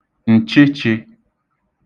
ǹchịchị̄